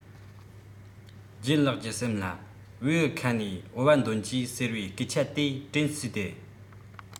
ལྗད ལགས ཀྱི སེམས ལ བེའུའི ཁ ནས ལྦུ བ འདོན གྱིས ཟེར བའི སྐད ཆ དེ དྲན གསོས ཏེ